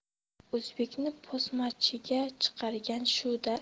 o'zbekni bosmachiga chiqargan shu da